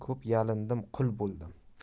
ko'p yalindim qui boidim